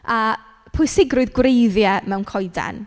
A pwysigrwydd gwreiddiau mewn coeden.